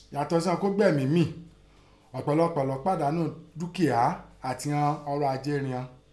Yàtọ̀ sí ìghọn kó gbẹ́mìí mì ọ̀pọ̀lọpọ̀ lọ́ pàdánù dúkìá àti ìghọn ọrọ̀ ajé riọn.